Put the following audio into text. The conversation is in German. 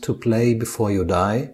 Play Before You Die,